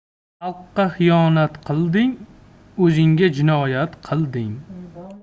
xalqqa xiyonat qilding o'zingga jinoyat qilding